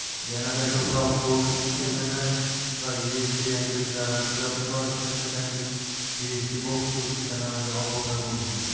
yanada ko'proq boks mma va ufc yangiliklarini kuzatib borishni istasangiz ufcboxuz kanaliga obuna bo'ling